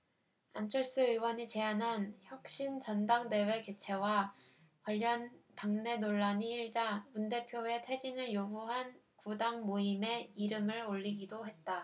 안철수 의원이 제안한 혁신 전당대회 개최와 관련 당내 논란이 일자 문 대표의 퇴진을 요구한 구당모임에 이름을 올리기도 했다